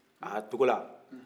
aa togola